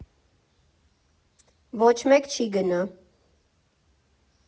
Ոչ մեկ չի գնա։